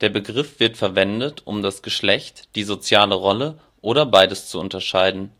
Der Begriff wird verwendet, um das Geschlecht, die soziale Rolle oder beides zu unterscheiden